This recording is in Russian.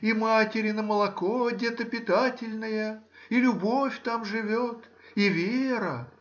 и материно молоко детопитательное, и любовь там живет, и вера.